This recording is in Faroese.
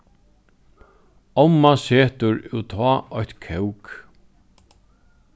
omma setur útá eitt kók